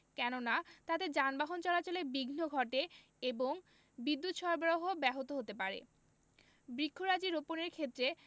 কেননা তাতে যানবাহন চলাচলে বিঘ্ন ঘটে এবং বিদ্যুত সরবরাহ ব্যাহত হতে পারে বৃক্ষরাজি রোপণের ক্ষেত্রে